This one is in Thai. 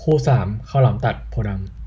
คู่สามข้าวหลามตัดโพธิ์ดำ